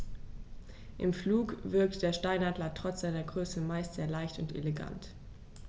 Im Flug wirkt der Steinadler trotz seiner Größe meist sehr leicht und elegant.